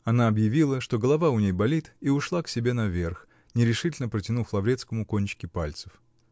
Она объявила, что голова у ней болит, и ушла к себе наверх, нерешительно протянув Лаврецкому кончики пальцев.